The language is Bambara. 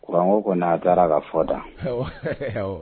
Kuranko kɔni a taara ka fɔ da, awɔ